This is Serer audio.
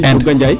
inde